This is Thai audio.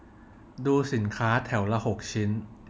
ดูสินค้าแถวละหกชิ้น